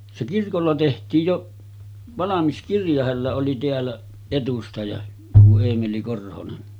se kirkolla tehtiin jo valmis kirja hänellä oli täällä edustaja tuo Eemeli Korhonen